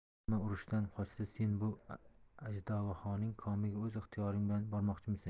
hamma urushdan qochsa sen bu ajdahoning komiga o'z ixtiyoring bilan bormoqchisen